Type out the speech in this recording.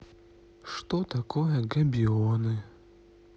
что такое габионы